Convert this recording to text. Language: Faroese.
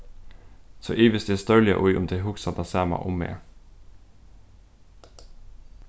so ivist eg stórliga í um tey hugsa tað sama um meg